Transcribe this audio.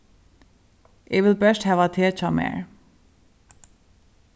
eg vil bert hava teg hjá mær